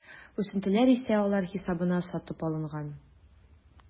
Үсентеләр исә алар хисабына сатып алынган.